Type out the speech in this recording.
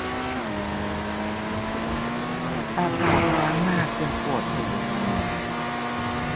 อากาศร้อนมากจนปวดหู